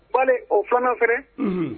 Fane o fana fɛnɛ unhun